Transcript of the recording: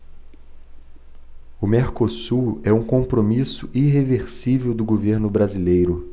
o mercosul é um compromisso irreversível do governo brasileiro